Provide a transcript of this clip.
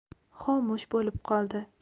xomush bo'lib qoldi